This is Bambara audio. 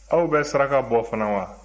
aw bɛ saraka bɔ fana wa